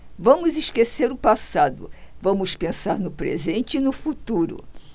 vamos esquecer o passado vamos pensar no presente e no futuro